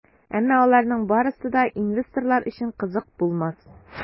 Әмма аларның барысы да инвесторлар өчен кызык булмас.